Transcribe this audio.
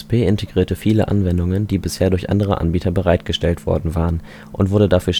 XP integrierte viele Anwendungen, die bisher durch andere Anbieter bereitgestellt worden waren, und wurde dafür